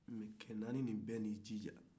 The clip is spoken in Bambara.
cɛ naani ninnu bɛɛ y'u jija